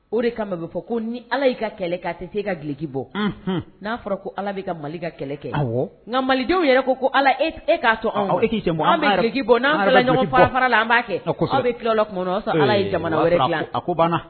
O de kama a bɛ fɔ ko ni allah y'i ka kɛlɛ kɛ, k'a tɛ se ka duloki bɔ, unhun, n'a fɔra ko allah bɛ ka Mali ka kɛlɛ kɛ, awɔ, nka malidenw yɛrɛ ko ko allah e ka to anw ma e k'i sen bɔ, ɔ e k'i sen bɔ a la, anw bɛ duloki bɔ n'anw tila la ɲɔgn fara fara la, ɔ kosɛɛ, anw b'a kɛ, anw bɛ tila o la kuma o kuma ɛɛ, o b'a sɔrɔ allah ye jamana wɛrɛ dilan!, ee o b'a sɔr a ko baan na!